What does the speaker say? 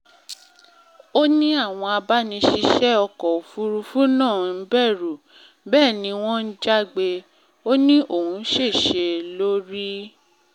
Ó ní àwọn abániṣíṣẹ́ ọkọ̀-òfúrufú náà ń bẹ̀rù, bẹ́ẹ̀ni wọ́n ń jágbe. Ó ní òun ṣìṣe lórí.